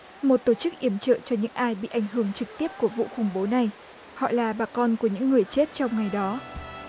một tổ chức yểm trợ cho những ai bị ảnh hưởng trực tiếp của vụ khủng bố này họ là bà con của những người chết trong ngày đó